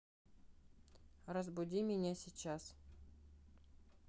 разбуди меня сейчас